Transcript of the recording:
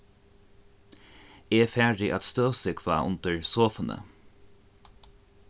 eg fari at støvsúgva undir sofuni